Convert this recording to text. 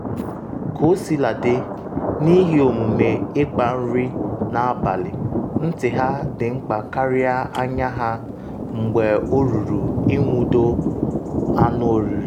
Kosiladị, n’ihi omume ịkpa nri n’abalị, ntị ha dị mkpa karịa anya ha mgbe oruru n’inwude anụ oriri.